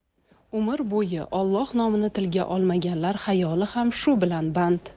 umr bo'yi olloh nomini tilga olmaganlar xayoli ham shu bilan band